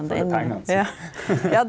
følge pengane sei.